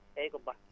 Ba